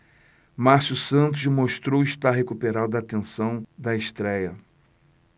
márcio santos mostrou estar recuperado da tensão da estréia